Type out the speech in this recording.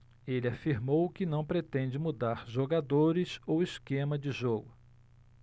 ele afirmou que não pretende mudar jogadores ou esquema de jogo